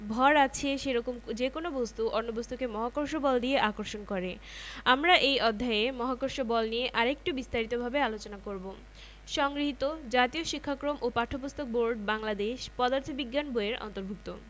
truck যখন বোঝা টেনে নিয়ে যায় সেটা একটা বল ঝড়ে যখন গাছ উপড়ে পড়ে সেটা একটা বল চুম্বক যখন লোহাকে আকর্ষণ করে সেটা একটা বল বোমা বিস্ফোরণে যখন ঘরবাড়ি উড়িয়ে দেয় সেটা একটা বল